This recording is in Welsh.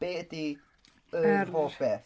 Be ydi yr hoff... er. ...beth?